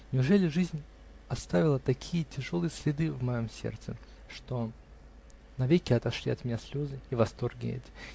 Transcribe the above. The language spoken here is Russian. Неужели жизнь оставила такие тяжелые следы в моем сердце, что навеки отошли от меня слезы и восторги эти?